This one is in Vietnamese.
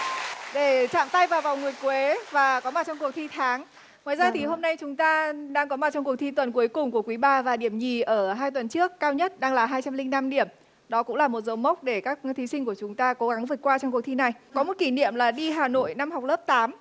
để chạm tay vào vòng nguyệt quế và có mặt trong cuộc thi tháng ngoài ra thì hôm nay chúng ta đang có mặt trong cuộc thi tuần cuối cùng của quý ba và điểm nhì ở hai tuần trước cao nhất đang là hai trăm linh năm điểm đó cũng là một dấu mốc để các thí sinh của chúng ta cố gắng vượt qua trong cuộc thi này có một kỷ niệm là đi hà nội năm học lớp tám